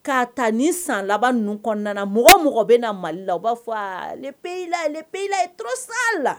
Ka taa ni san laban ninnu mɔgɔ mɔgɔ bɛ na mali la a b'a fɔyila aleyila i sala